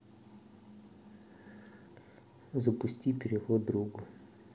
запусти перевод другу